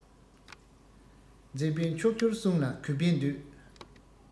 མཛད པའི མཆོག གྱུར གསུང ལ གུས པས འདུད